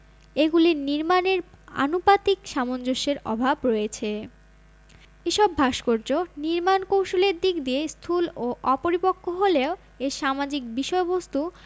এগুলির নির্মাণের আনুপাতিক সামঞ্জস্যের অভাব রয়েছে এ সব ভাস্কর্য নির্মাণ কৌশলের দিক দিয়ে স্থূল ও অপরিপক্ক হলেও এর সামাজিক বিষয়বস্তু